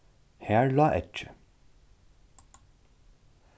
har lá eggið